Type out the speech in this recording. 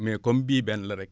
mais comme bii benn la rekk